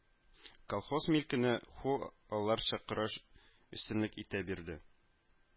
Колхоз милкенә ху аларча караш өстенлек итә биредә